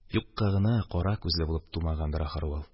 Юкка гына кара күзле булып тумагандыр, ахры, ул.